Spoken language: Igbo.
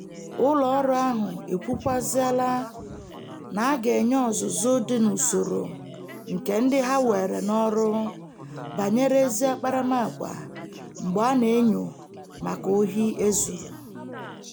Ụlọ ọrụ ahụ ekwukwazịaala na ọ ga-enye ọzụzụ dị n'usoro nke ndị ha weere n'ọrụ banyere ezi akparamaagwa mgbe a na-enyo maka ohi e zuru.